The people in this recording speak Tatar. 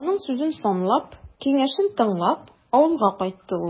Аның сүзен санлап, киңәшен тыңлап, авылга кайтты ул.